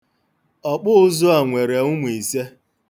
Ọkpụụzụ a nwere ụmụ ise.